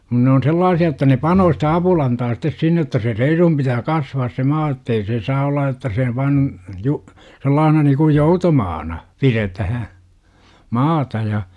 mutta ne on sellaisia että ne panee sitä apulantaa sitten sinne että se reiluun pitää kasvaa se maa jotta ei se saa olla jotta se vain - sellaisena niin kuin joutomaana pidetään maata ja